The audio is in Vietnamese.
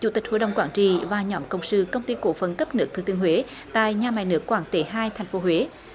chủ tịch hội đồng quản trị và nhóm cộng sự công ty cổ phần cấp nước thừa thiên huế tại nhà máy nước quảng tế hai thành phố huế